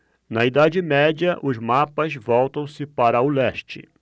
na idade média os mapas voltam-se para o leste